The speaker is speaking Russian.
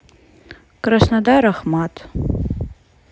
краснодар ахмат